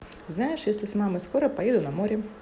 знаешь если с мамой скоро поеду на море